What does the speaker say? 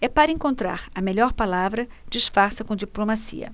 é para encontrar a melhor palavra disfarça com diplomacia